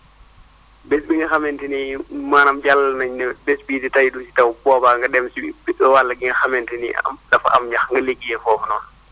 bés bi nga xamante ni maanaam jàllale nañ bés bii tey du si taw bu boobaa nga dem si wàll gi nga xamante ni am dafa am ñax nga liggéeyee foofa noonu